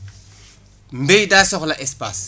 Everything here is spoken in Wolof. mbéy daa soxla espace